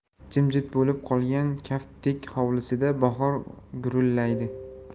jimjit bo'lib qolgan kaftdek hovlisida bahor gurullaydi